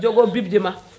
jogo bibjema